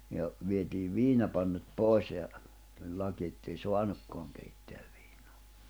ja vietiin viinapannut pois ja tuli laki että ei saanutkaan keittää viinaa